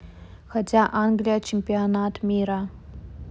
хотя англия чемпионат мира